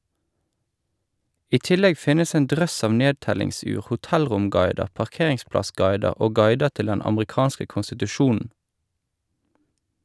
I tillegg finnes en drøss av nedtellingsur, hotellromguider, parkeringsplassguider og guider til den amerikanske konstitusjonen.